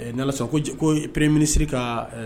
Ala sɔrɔ ko ko peree minisiri ka